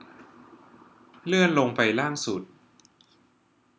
เลื่อนลงไปล่างสุด